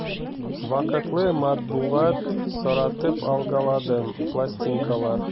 Вакытлы матбугат соратып алгаладым, пластинкалар...